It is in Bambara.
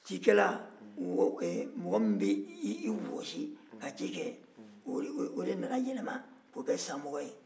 cikɛla mɔgɔ min bɛ i wɔsi ka cikɛ o de nana yɛiɛma ka kɛ samɔgɔ ye